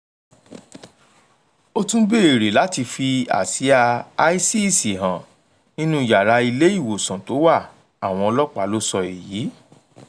Ó tún béèrè láti fi àsíá ISIS han nínú yàrá ilé ìwòsàn tó wà, àwọn ọlọ́pàá ló sọ èyí.